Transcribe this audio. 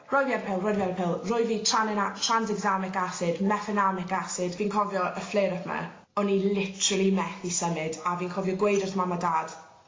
roi fi ar y pil roid fi ar y pil roi fi tranina- transexamic acid methenamic acid fi'n cofio y flare up 'ma o'n i literally methu symud a fi'n cofio gweud wrth mam a dad